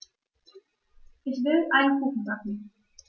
Ich will einen Kuchen backen.